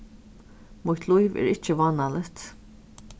mítt lív er ikki vánaligt